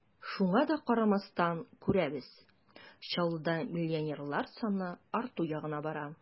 Шуңа да карамастан, күрәбез: Чаллыда миллионерлар саны арту ягына бара.